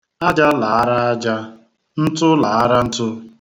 Aja laara aja, ntụ laara ntụ.